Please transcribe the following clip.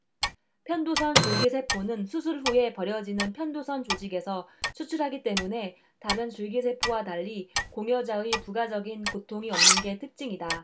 편도선 줄기세포는 수술 후에 버려지는 편도선 조직에서 추출하기 때문에 다른 줄기세포와 달리 공여자의 부가적인 고통이 없는 게 특징이다